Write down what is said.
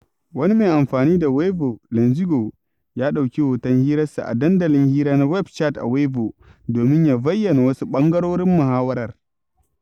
Wani mai amfani da Weibo LongZhigao ya ɗauki hoton hirarsa a dandalin hira na WeChat a Weibo domin ya bayyana wasu ɓangarorin muhawarar.